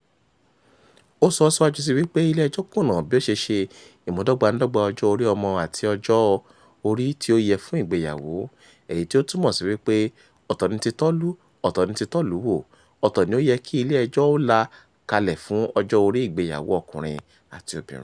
Ó sọ síwájú sí i wípé ilé ẹjọ́ kùnà bí ó ṣe “ṣe ìmúdọ́gbandọ́gba ọjọ́ orí ọmọ àti ọjọ́ orí tí ó yẹ fún ìgbéyàwó”, èyí tí ó túmọ̀ sí wípé ọ̀tọ̀ ni ti tọ́lú ọ̀tọ̀ ni ti tọ́lùú wò, ọ̀tọ̀ ni ó yẹ kí ilé ẹjọ́ ó là kalẹ̀ fún ọjọ́ orí ìgbéyàwó ọkùnrin àti obìnrin.